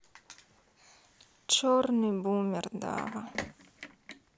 черный бумер дава